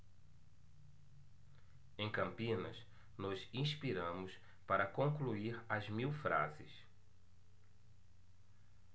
em campinas nos inspiramos para concluir as mil frases